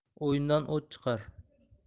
o'yindan o'q chiqar